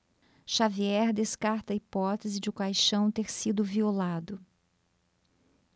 xavier descarta a hipótese de o caixão ter sido violado